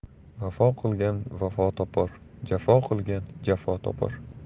vafo qilgan vafo topar jafo qilgan jafo topar